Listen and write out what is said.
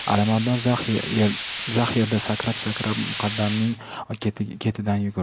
alimardon zax yerda sakrab sakrab muqaddamning ketidan yugurdi